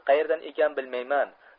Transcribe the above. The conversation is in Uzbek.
qaerdan ekan bilmayman